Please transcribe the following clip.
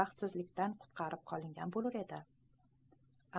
baxtsizlikdan qutqarib qolingan bo'lur edi